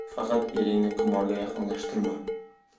faqat eringni qimorga yaqinlashtirma